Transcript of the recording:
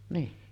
niin